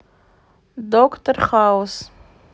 доктор хаус